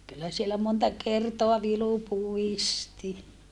kyllä siellä monta kertaa vilu puisti